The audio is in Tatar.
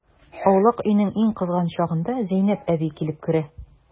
Аулак өйнең иң кызган чагында Зәйнәп әби килеп керә.